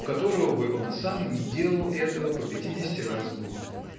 у которого бы он сам не делал этого по пятидесяти раз в год.